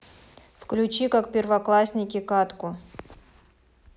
включи как первоклассники катку